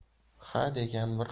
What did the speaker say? xa degan bir